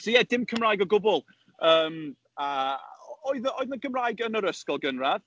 So ie, dim Cymraeg o gwbl. Yym, a oedd oedd 'na Gymraeg yn yr ysgol gynradd.